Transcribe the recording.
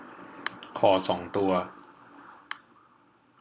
ขอสองตัว